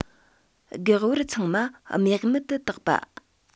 གེགས བར ཚང མ རྨེག མེད དུ བཏགས པ